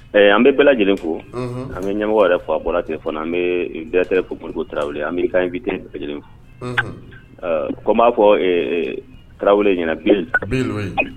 An bɛ bɛɛ lajɛlen fo an bɛ ɲɛmɔgɔ yɛrɛ fa bɔra ten fana an bɛ daɛrɛ ko mun tarawele an bɛ ka ɲi bi den bɛɛ lajɛlen fo ko b'a fɔ tarawele ɲɛna bi